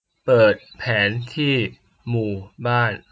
เปิดแผนที่หมู่บ้าน